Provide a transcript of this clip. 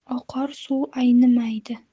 oqar suv aynimaydi